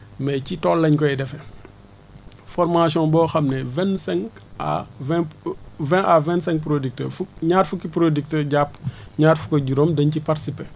mais ci tool la ñu koy defee formation boo xam ne vingt cinq à vingt vingt à vingt cinq producteurs fu ñaar fukki producteurs jàpp ñaar fukk ak juróom dañ ciy participer